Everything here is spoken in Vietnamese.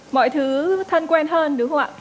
mọi thứ thân quen hơn đúng không ạ